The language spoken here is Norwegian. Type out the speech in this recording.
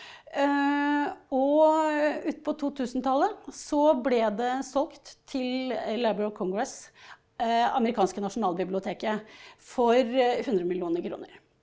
og ute på totusentallet så ble det solgt til Library of Congress, amerikanske nasjonalbiblioteket, for 100 millioner kroner.